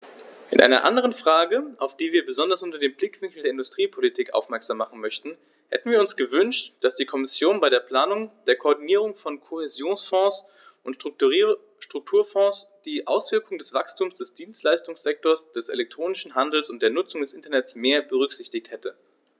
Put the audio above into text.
In einer anderen Frage, auf die wir besonders unter dem Blickwinkel der Industriepolitik aufmerksam machen möchten, hätten wir uns gewünscht, dass die Kommission bei der Planung der Koordinierung von Kohäsionsfonds und Strukturfonds die Auswirkungen des Wachstums des Dienstleistungssektors, des elektronischen Handels und der Nutzung des Internets mehr berücksichtigt hätte.